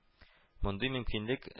Мондый мөмкинлек